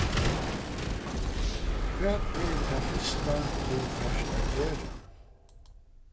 hvat er tað fyrsta tú fert at gera